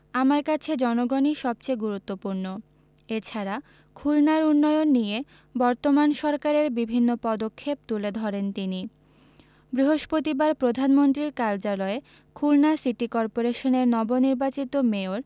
আমার কাছে জনগণই সবচেয়ে গুরুত্বপূর্ণ এছাড়া খুলনার উন্নয়ন নিয়ে বর্তমান সরকারের বিভিন্ন পদক্ষেপ তুলে ধরেন তিনি বৃহস্পতিবার প্রধানমন্ত্রীর কার্যালয়ে খুলনা সিটি কর্পোরেশনের নবনির্বাচিত মেয়র